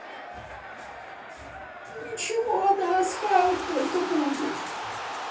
ничего она схавать только будет